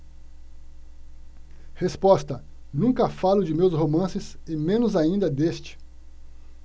resposta nunca falo de meus romances e menos ainda deste